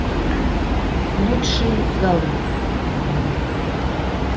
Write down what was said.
лучшие голы